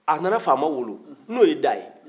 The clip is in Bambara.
a nana faama wolo n'o ye da ye